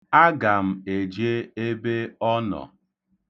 Aga m eje ebe ọ nọ.